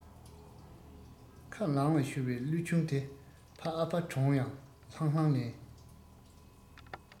ཁ ལངས ལ ཤོར བའི གླུ ཆུང དེ ཕ ཨ ཕ གྲོངས ཡང ལྷང ལྷང ལེན